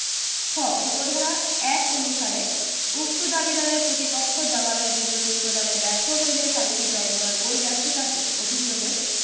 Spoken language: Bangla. খ উপ ধারা ১ অনুসারে উক্ত দাবীদারের প্রতিপক্ষ জবাবের বিবরণী প্রদানে ব্যর্থ হইলে সালিসী ট্রাইব্যুনাল ঐ ব্যর্থতাকে অভিযোগের